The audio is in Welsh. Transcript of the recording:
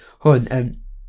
Hwn, yym.